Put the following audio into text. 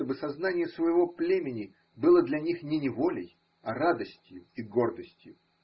чтобы сознание своего племени было для них не неволей, а радостью и гордостью.